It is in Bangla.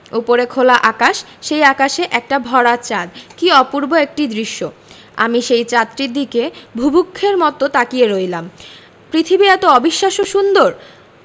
ওপরে খোলা আকাশ সেই আকাশে একটা ভরা চাঁদ কী অপূর্ব একটি দৃশ্য আমি সেই চাঁদটির দিকে বুভুক্ষের মতো তাকিয়ে রইলাম পৃথিবী এতো অবিশ্বাস্য সুন্দর